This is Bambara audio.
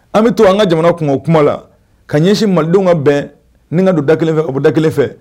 An bɛ to an ka jamana kungo o kuma la ka ɲɛsin malidenw ka bɛn ni ka don da kelen o da kelen fɛ